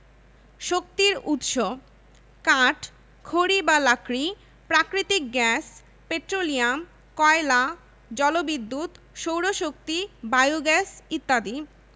শক্তির উৎসঃ কাঠ খড়ি বা লাকড়ি প্রাকৃতিক গ্যাস পেট্রোলিয়াম কয়লা জলবিদ্যুৎ সৌরশক্তি বায়োগ্যাস ইত্যাদি